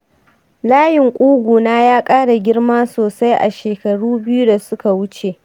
layin ƙugu na ya ƙara girma sosai a shekaru biyu da suka wuce